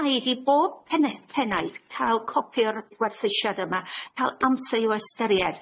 Ma' rhaid i bob penne- pennaeth ca'l copi o'r gwerthusiad yma ca'l amser i'w ystyried.